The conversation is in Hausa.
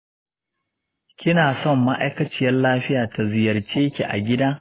kina son ma'aikaciyar lafiya ta ziyarce ki a gida?